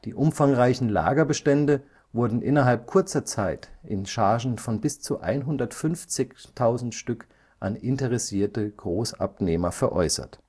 umfangreichen Lagerbestände wurden innerhalb kurzer Zeit in Chargen von bis zu 150.000 Stück an interessierte Großabnehmer veräußert